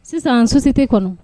Sisan société kɔnɔ